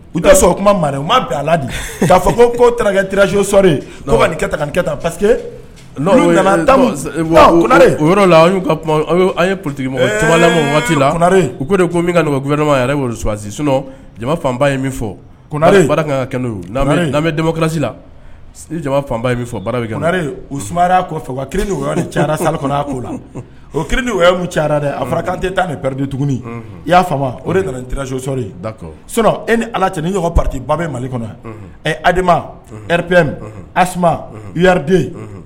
U da sɔrɔ o kuma marire u ma bi a ladi' fɔ ko' kirarasio sɔɔri kɛ pa o an ptigi waatiremasi jama fan ye fɔ ko kasi la ni fanba ye min fɔ bɛre u suma kɔfɛ wa ca sali kɔnɔ a'o la o kidi ca dɛ a fɔra kante taa ni pɛdi tuguni y'a fa o de nana tiresooɔri sɔ e ni ala cɛ ni ɲɔgɔn pati ba bɛ mali kɔnɔ ɛ adama repme asriden